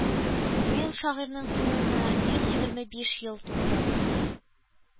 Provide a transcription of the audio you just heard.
Быел шагыйрьнең тууына йөз егерме биш ел тулды